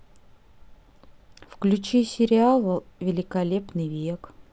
включи сериал великолепный век